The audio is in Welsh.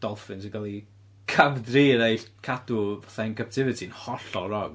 Dolffins yn cael eu camdrin a'i cadw fatha in captivity yn hollol wrong.